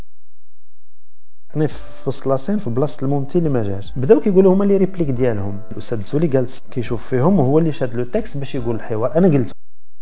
نفصل سيف بلس الموت بدونك يقولون انهم وسلسله جالس اشوفهم هو اللي هيكسب سيقول حيوانات